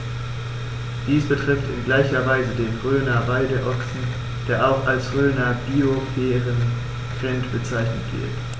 Dies betrifft in gleicher Weise den Rhöner Weideochsen, der auch als Rhöner Biosphärenrind bezeichnet wird.